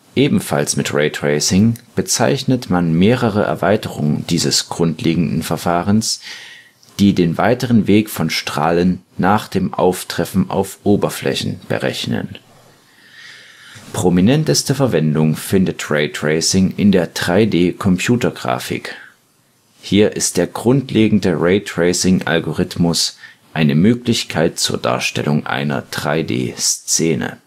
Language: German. Ebenfalls mit Raytracing bezeichnet man mehrere Erweiterungen dieses grundlegenden Verfahrens, die den weiteren Weg von Strahlen nach dem Auftreffen auf Oberflächen berechnen. Prominenteste Verwendung findet Raytracing in der 3D-Computergrafik. Hier ist der grundlegende Raytracing-Algorithmus eine Möglichkeit zur Darstellung einer 3D-Szene